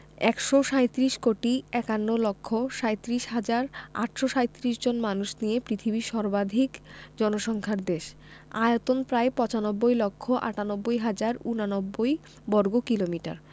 ১৩৭ কোটি ৫১ লক্ষ ৩৭ হাজার ৮৩৭ জন মানুষ নিয়ে বিশ্বের সর্বাধিক জনসংখ্যার দেশ আয়তন প্রায় ৯৫ লক্ষ ৯৮ হাজার ৮৯ বর্গকিলোমিটার